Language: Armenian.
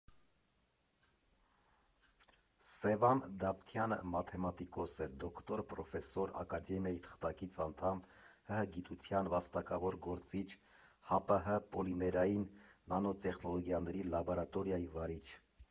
Սևան Դավթյանը մաթեմատիկոս է, դոկտոր, պրոֆեսոր, Ակադեմիայի թղթակից անդամ, ՀՀ գիտության վաստակավոր գործիչ, ՀԱՊՀ Պոլիմերային նանոտեխնոլոգիաների լաբորատորիայի վարիչ։